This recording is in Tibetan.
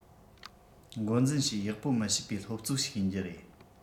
འགོ འཛིན བྱས ཡག པོ མི བྱེད པའི སློབ གཙོ ཞིག ཡིན རྒྱུ རེད